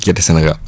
gerte Sénégal